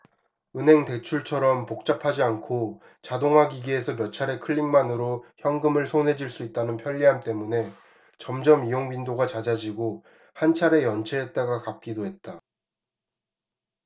은행 대출처럼 복잡하지 않고 자동화기기에서 몇 차례 클릭만으로 현금을 손에 쥘 수 있다는 편리함 때문에 점점 이용 빈도가 잦아지고 한 차례 연체했다가 갚기도 했다